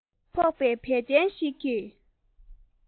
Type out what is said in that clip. ཉི འོད ཕོག པའི བལ གདན ཞིག གི